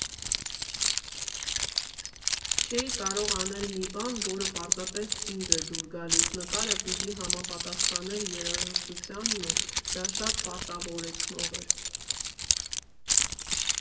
«Չէի կարող անել մի բան, որ պարզապես ինձ է դուր գալիս, նկարը պիտի համապատասխաներ երաժշտությանն ու դա շատ պարտավորեցնող էր։